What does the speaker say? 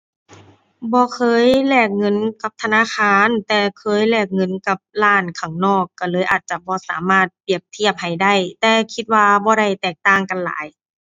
บ่เคยแลกเงินกับธนาคาร แต่เคยแลกเงินกับร้านข้างนอก ก็เลยอาจจะบ่สามารถเปรียบเทียบให้ได้ แต่คิดว่าบ่ได้แตกต่างกันหลาย